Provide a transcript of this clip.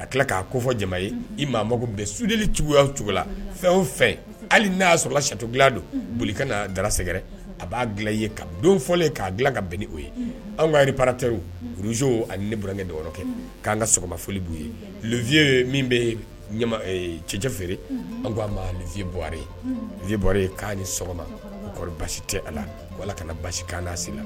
A tila k'a ko fɔ jama ye i maa mako bɛn sudi cogoyaya cogo la fɛn o fɛn hali n'a y'a sɔrɔ la sitola don boli ka na dara sɛgɛrɛ a b'a dilan ye ka don fɔlen k'a dilan ka bɛn' ye an ka paratɛzo ani ne burankɛ kɛ k'an ka sɔgɔma foli b'u ye ye ye min bɛ cɛcɛ feere an k'a ma ninye bɔɔr vɔr ye k' ni sɔgɔma o ka basi tɛ a la ko ala ka basikan'si la